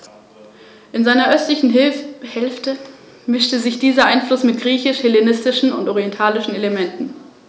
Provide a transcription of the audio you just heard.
Je nach Dauer der Nutzung werden die Horste ständig erweitert, ergänzt und repariert, so dass über Jahre hinweg mächtige, nicht selten mehr als zwei Meter in Höhe und Breite messende Horste entstehen.